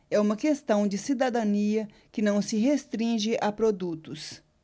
é uma questão de cidadania que não se restringe a produtos